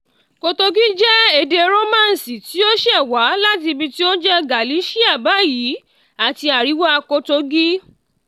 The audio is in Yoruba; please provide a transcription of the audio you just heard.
Portuguese jẹ́ èdè Romance tí ó ṣẹ̀wá láti ibi tí ó ń jẹ́ Galicia báyìí àti àríwá Portugal.